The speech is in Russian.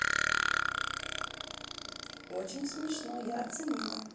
очень смешно я оценила